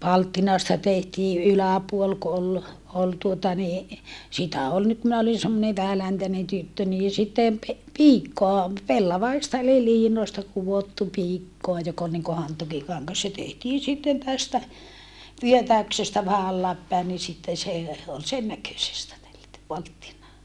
palttinasta tehtiin yläpuoli kun oli oli tuota niin sitä oli nyt minä olin semmoinen vähäläntäinen tyttö niin sitten - piikkoa pellavaista eli liinoista kudottu piikkoa joka oli niin kuin hantuukikangas se tehtiin sitten tästä vyötäyksestä vähän alas päin niin sitten se oli sen näköisestä tellätty palttinaa